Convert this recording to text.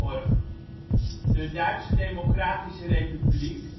De Duitse Democratische Republiek